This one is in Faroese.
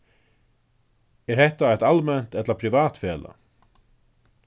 er hetta eitt alment ella privat felag